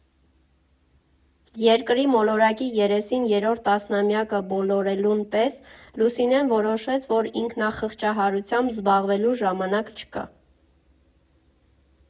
Երկրի մոլորակի երեսին երրորդ տասնամյակը բոլորելուն պես Լուսինեն որոշեց, որ ինքնախղճահարությամբ զբաղվելու ժամանակ չկա։